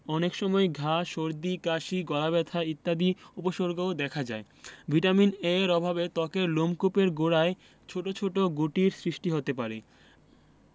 অনেক সময় ঘা সর্দি কাশি গলাব্যথা ইত্যাদি উপসর্গও দেখা দেয় ভিটামিন A এর অভাবে ত্বকের লোমকূপের গোড়ায় ছোট ছোট গুটির সৃষ্টি হতে পারে